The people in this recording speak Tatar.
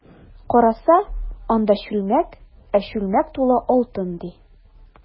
Караса, анда— чүлмәк, ә чүлмәк тулы алтын, ди.